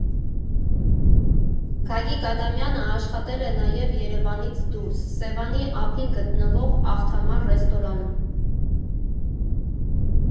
Գագիկ Ադամյանը աշխատել է նաև Երևանից դուրս՝ Սևանի ափին գտնվող «Ախթամար» ռեստորանում։